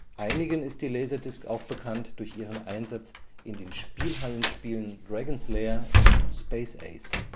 Einigen ist die Laserdisc auch bekannt durch ihren Einsatz in den Spielhallen-Spielen Dragon 's Lair und Space Ace